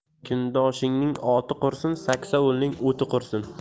kundoshning oti qursin saksovulning o'ti qursin